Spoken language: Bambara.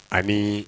Amii